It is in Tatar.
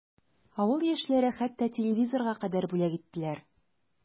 Авыл яшьләре хәтта телевизорга кадәр бүләк иттеләр.